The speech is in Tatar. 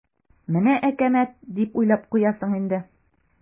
"менә әкәмәт" дип уйлап куясың инде.